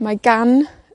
Mae gan